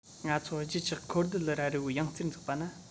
ང ཚོ བརྗིད ཆགས ཁོར སྡི ལི ར རི བོའི ཡང རྩེར འཛེགས པ ན